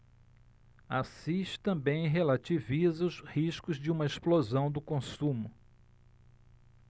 assis também relativiza os riscos de uma explosão do consumo